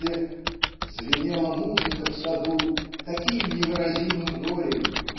где Звенела музыка в саду Таким невыразимым горем